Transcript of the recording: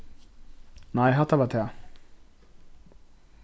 nei hatta var tað